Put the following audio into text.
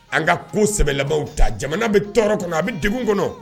An ka ko sɛbɛ laban ta jamana bɛ tɔɔrɔ kɔnɔ a bɛ de kɔnɔ